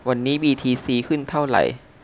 วันนี้บีทีซีขึ้นเท่าไหร่